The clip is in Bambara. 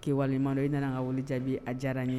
K'i waleɲuman dɔ i nan'an ka wele jaabi a diyara an ye